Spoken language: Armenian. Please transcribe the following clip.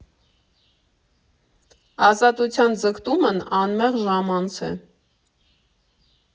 Ազատության ձգտումն անմեղ ժամանց է։